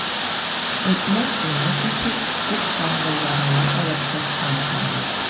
Утны-суны кичеп, күпсанлы яралар алып кайткан солдат.